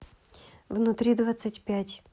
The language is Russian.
внутри двадцать пять